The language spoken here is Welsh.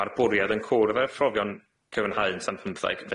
Ma'r bwriad yn cwrdd â phrofion cyfynhau tan pymtheg